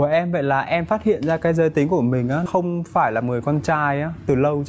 của em vậy là em phát hiện ra cái giới tính của mình không phải là người con trai từ lâu